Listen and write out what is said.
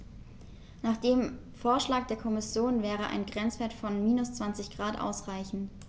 Nach dem Vorschlag der Kommission wäre ein Grenzwert von -20 ºC ausreichend.